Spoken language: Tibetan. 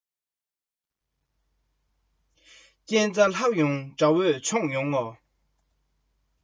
རྐྱེན རྩ ལྷག ཡོང དགྲ བོ མཆོངས ཡོང ངོ